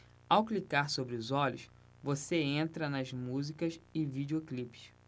ao clicar sobre os olhos você entra nas músicas e videoclipes